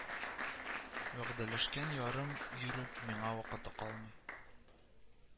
Вәгъдәләшкән ярым йөреп, миңа вакыты калмый